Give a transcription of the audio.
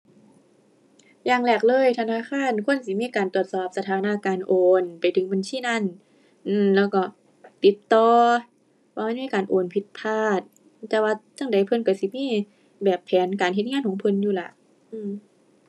อย่างแรกเลย ธนาคารควรสิมีการตรวจสอบสถานะการโอนไปถึงบัญชีนั้น อือ แล้วก็ติดต่อว่ามันมีการโอนผิดพลาด แต่ว่าจั่งใดเพิ่นก็สิมีแบบแผนการเฮ็ดงานของเพิ่นอยู่ล่ะ อือ